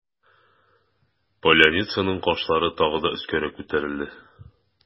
Поляницаның кашлары тагы да өскәрәк күтәрелде.